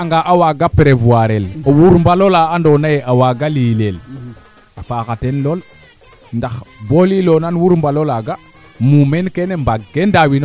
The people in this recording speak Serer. iyo xooxox we xaƴa kum doxin kaa den te refee nem ley tan rek baadoole jege a qooq nam jegee tefee a qooq a qooq rek i njegu